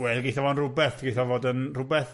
Wel, gaeth o fod yn rwbeth, gaeth o fod yn rwbeth.